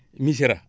Missirah